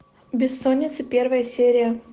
бессонница первая серия